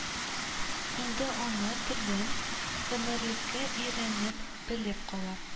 Инде ана телен гомерлеккә өйрәнеп, белеп кала